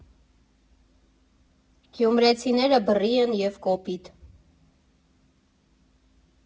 Գյումրեցիները բռի են և կոպիտ։